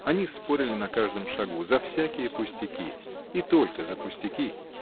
Они спорили на каждом шагу, за всякие пустяки, — и только за пустяки.